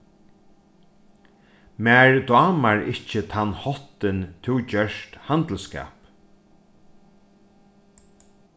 mær dámar ikki tann háttin tú gert handilsskap